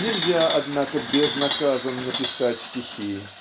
Нельзя, однако, безнаказанно писать стихи